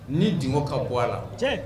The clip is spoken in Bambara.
Ni denkɛ ka bɔ a la